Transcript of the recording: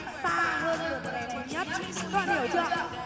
bạn hiểu chưa